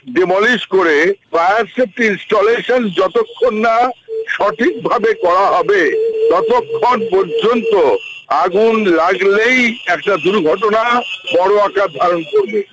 ডিমলিস করে প্লায়েরস ইনস্টলেশন যতক্ষণ না সঠিকভাবে করা হবে ততক্ষণ পর্যন্ত আগুন লাগলেই একটা দুর্ঘটনা বড় আকার ধারণ করবে